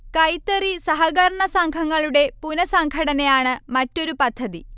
കൈത്തറി സഹകരണ സംഘങ്ങളുടെ പുനഃസംഘടനയാണ് മറ്റൊരു പദ്ധതി